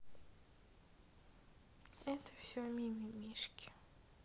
это все ми ми мишки